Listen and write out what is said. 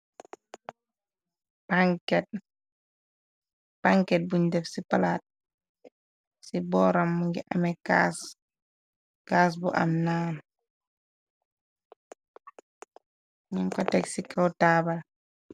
Paket buñ def ci palaat, ci booram ngi amee caas, caas bu am naan ñiñ ko teg ci kaw taabal.